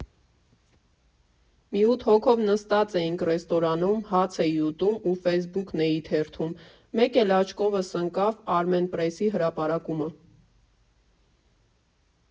Մի ութ հոգով նստած էինք ռեստորանում, հաց էի ուտում ու ֆեյսբուքն էի թերթում, մեկ էլ աչքովս ընկավ «Արմենպրեսի» հրապարակումը։